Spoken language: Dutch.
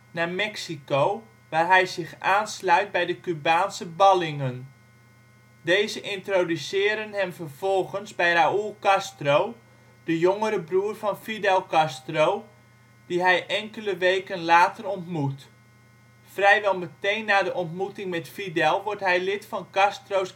naar Mexico waar hij zich aansluit bij de Cubaanse ballingen. Deze introduceren hem vervolgens bij Raúl Castro, de jongere broer van Fidel Castro, die hij enkele weken later ontmoet. Vrijwel meteen na de ontmoeting met Fidel wordt hij lid van Castro